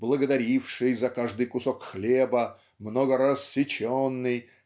благодаривший за каждый кусок хлеба много раз сеченный